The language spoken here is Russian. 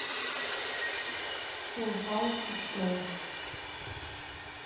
фулл хаус шестой